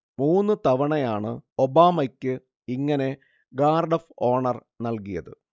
'മൂന്ന് തവണയാണ് ഒബാമയ്ക്ക് ഇങ്ങനെ ഗാർഡ് ഒഫ് ഓണർ' നൽകിയത്